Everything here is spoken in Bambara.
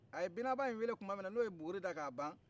a ye binaba in wele tuma min na n'o ye buguri da k'a ban